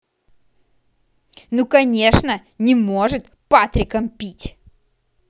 ну конечно не может патриком пить